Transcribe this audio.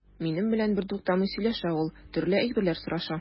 Минем белән бертуктамый сөйләшә ул, төрле әйберләр сораша.